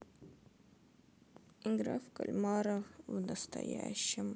игра в кальмара в настоящем